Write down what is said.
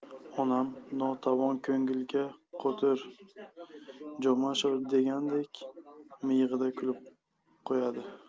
onam notavon ko'ngilga qo'tir jomashov degandek miyig'ida kulib qo'yadi